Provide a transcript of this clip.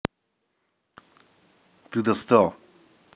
ты достал